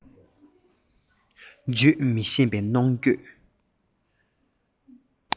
བརྗོད མི ཤེས པའི གནོང འགྱོད